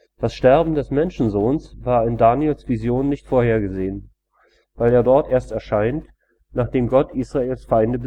Das Sterben des Menschensohns war in Daniels Vision nicht vorgesehen, weil er dort erst erscheint, nachdem Gott Israels Feinde